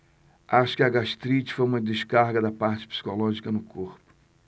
acho que a gastrite foi uma descarga da parte psicológica no corpo